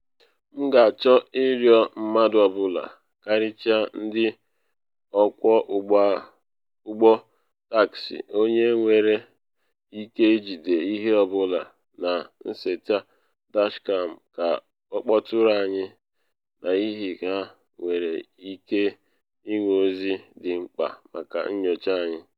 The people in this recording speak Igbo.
M ga-achọ ịrịọ mmadụ ọ bụla, karịchara ndị ọkwọ ụgbọ taksị, onye nwere ike ijide ihe ọ bụla na nseta dashkam ka ọ kpọtụrụ anyị n’ihi ha nwere ike ịnwe ozi dị mkpa maka nnyocha anyị.’